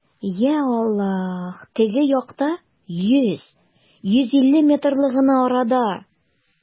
Йа Аллаһ, теге якта, йөз, йөз илле метрлы гына арада!